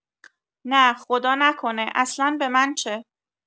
نه خدا نکنه اصلا به من چه؟